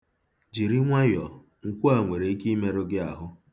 Jiri nwayọọ, nkwo a nwere ike imerụ gị ahụ.